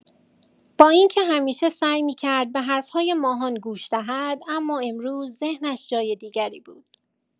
با اینکه همیشه سعی می‌کرد به حرف‌های ماهان گوش دهد، اما امروز ذهنش جای دیگری بود.